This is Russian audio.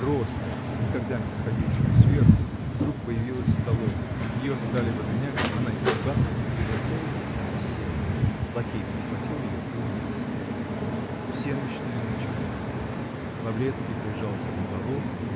Роска, никогда не сходившая сверху, вдруг появилась в столовой: ее стали выгонять -- она испугалась, завертелась и села лакей подхватил ее и унес. Всенощная началась. Лаврецкий прижался в уголок